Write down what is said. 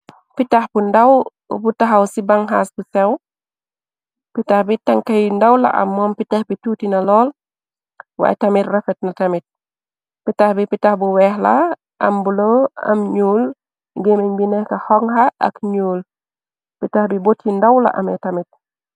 pitax b ndaw bu taxaw ci banhas bu sew pitax bi tanka yi ndaw la am moom pitax bi tuutina lool waay tamit rofet na tamit pitax bi pitax bu weexla ambulo am nuul gémeñ bi nekka honha ak nuul pitax bi botyi ndawla amée tamit